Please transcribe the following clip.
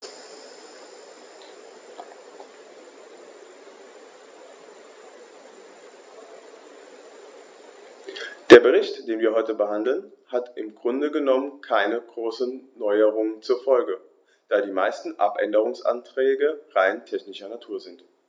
Der Bericht, den wir heute behandeln, hat im Grunde genommen keine großen Erneuerungen zur Folge, da die meisten Abänderungsanträge rein technischer Natur sind.